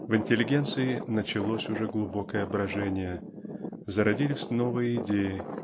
В интеллигенции началось уже глубокое брожение зародились новые идеи